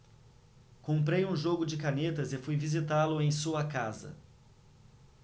comprei um jogo de canetas e fui visitá-lo em sua casa